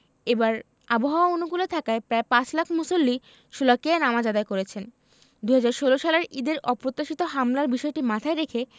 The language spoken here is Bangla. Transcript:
এবার আবহাওয়া অনুকূলে থাকায় প্রায় পাঁচ লাখ মুসল্লি শোলাকিয়ায় নামাজ আদায় করেছেন ২০১৬ সালের ঈদের অপ্রত্যাশিত হামলার বিষয়টি মাথায় রেখে